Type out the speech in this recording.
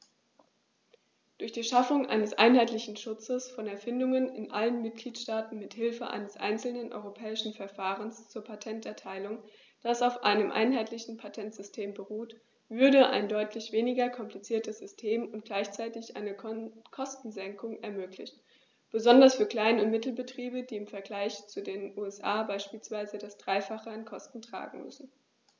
Durch die Schaffung eines einheitlichen Schutzes von Erfindungen in allen Mitgliedstaaten mit Hilfe eines einzelnen europäischen Verfahrens zur Patenterteilung, das auf einem einheitlichen Patentsystem beruht, würde ein deutlich weniger kompliziertes System und gleichzeitig eine Kostensenkung ermöglicht, besonders für Klein- und Mittelbetriebe, die im Vergleich zu den USA beispielsweise das dreifache an Kosten tragen müssen.